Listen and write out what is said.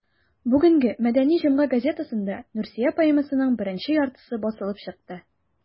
Бүгенге «Мәдәни җомга» газетасында «Нурсөя» поэмасының беренче яртысы басылып чыкты.